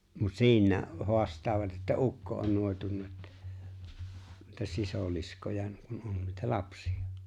mutta siinä on haastavat että ukko on noitunut että että sisiliskoja kun on noita lapsia